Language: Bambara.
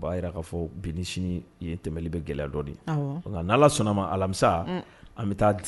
U b'a jira k'a fɔ bi ni sini yen tɛmɛni bɛ gɛlɛya dɔɔnin, awɔ, nka n'Ala sɔnn'a ma alamisa, an bɛ taa